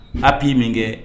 Appuie min kɛɛ